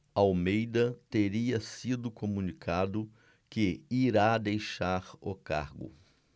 almeida teria sido comunicado que irá deixar o cargo